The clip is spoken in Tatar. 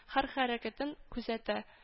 Һәр хәрәкәтен күзәтә